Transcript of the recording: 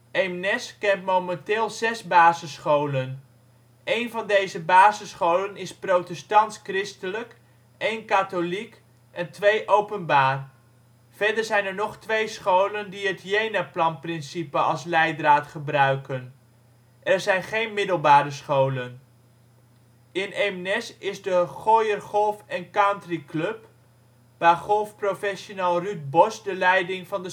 Eemnes kent momenteel zes basisscholen. Eén van deze basisscholen is protestants-christelijk, één katholiek en twee openbaar. Verder zijn er nog twee scholen die het Jenaplan-principe als leidraad gebruiken. Er zijn geen middelbare scholen. In Eemnes is de Goyer Golf & Country Club, waar golfprofessional Ruud Bos de leiding van